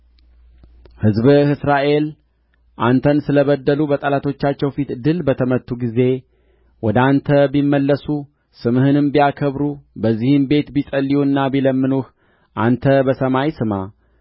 ሕዝብህ እስራኤል አንተን ስለ በደሉ በጠላቶቻቸው ፊት ድል በተመቱ ጊዜ ወደ አንተ ቢመለሱ ስምህንም ቢያከብሩ በዚህም ቤት ቢጸልዩና ቢለምኑህ አንተ በሰማይ ስማ